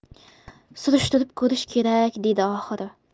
surishtirib ko'rish kerak dedi oxiri